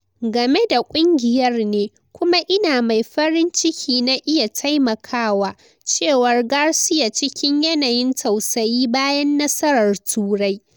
Game da kungiyar ne., Kuma ina mai farin ciki na iya taimakawa, "cewar Garcia cikin yanayin tausayi bayan nasarar Turai.